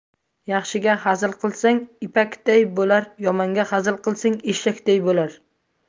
yaxshiga hazil qilsang ipakday bo'lar yomonga hazil qilsang eshakday bo'lar